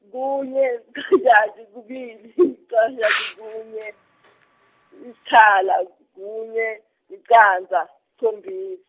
kunye, kudadi, kubili , licandza, kunye, isikhala, kunye, licandza sikhombis-.